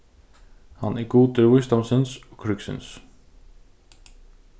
hann er gudur vísdómsins og krígsins